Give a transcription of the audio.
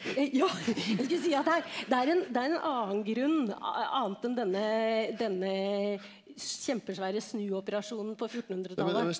ja jeg skulle si at det er det er en det er en annen grunn annet enn denne denne kjempesvære snuoperasjonen på fjortenhundretallet.